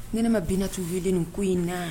Ne ma binnatu wele nin ko in na